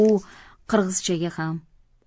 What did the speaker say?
u qirg'izchaga ham